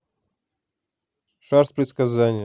шар с предсказаниями